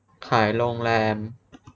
ขายโรงแรม